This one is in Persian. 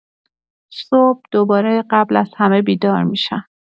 صبح دوباره قبل از همه بیدار می‌شم.